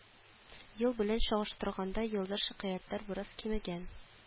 Ел белән чагыштырганда елда шикаятьләр бераз кимегән